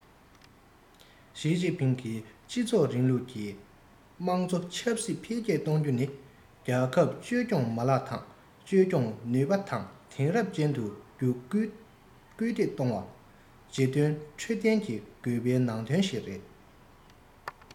ཞིས ཅིན ཕིང གིས སྤྱི ཚོགས རིང ལུགས ཀྱི དམངས གཙོ ཆབ སྲིད འཕེལ རྒྱས གཏོང རྒྱུ ནི རྒྱལ ཁབ བཅོས སྐྱོང མ ལག དང བཅོས སྐྱོང ནུས པ དེང རབས ཅན དུ འགྱུར རྒྱུར སྐུལ འདེད གཏོང བའི བརྗོད དོན ཁྲོད ལྡན དགོས པའི ནང དོན ཞིག རེད